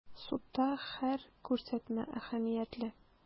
Судта һәр күрсәтмә әһәмиятле.